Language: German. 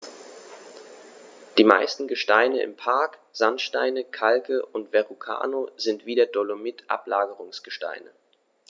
Die meisten Gesteine im Park – Sandsteine, Kalke und Verrucano – sind wie der Dolomit Ablagerungsgesteine.